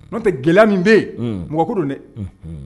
N'o tɛ gɛlɛya min bɛ yen, un, mɔgɔ ko don dɛ, unhun.